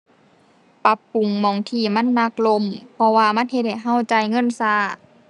ปรับปรุงหม้องที่มันมักล่ม เพราะว่ามันเฮ็ดให้เราจ่ายเงินเรา